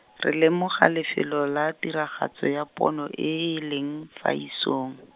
re lemoga lefelo la tiragatso ya pono e e leng, fa isong.